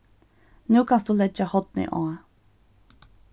nú kanst tú leggja hornið á